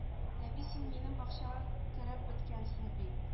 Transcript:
Нәби син минем бакчага кереп беткәнсең бит